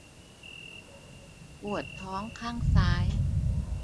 ปวดท้องข้างซ้าย